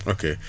ok